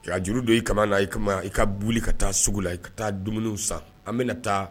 K juru don i kama na i ka i ka boli ka taa sugu la i ka taa dumuniw san an bɛna taa